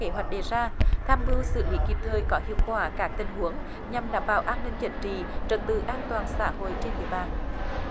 kế hoạch đề ra tham mưu xử lý kịp thời có hiệu quả các tình huống nhằm đảm bảo an ninh chính trị trật tự an toàn xã hội trên địa bàn